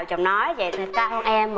giọng nói dậy thì cao hơn em